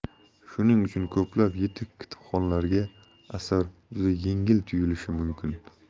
shuning uchun ko'plab yetuk kitobxonlarga asar juda yengil tuyulishi mumkin